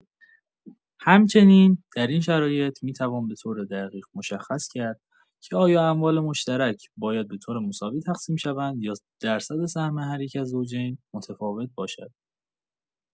همچنین، در این شرط می‌توان به‌طور دقیق مشخص کرد که آیا اموال مشترک باید به‌طور مساوی تقسیم شوند یا درصد سهم هر یک از زوجین متفاوت باشد.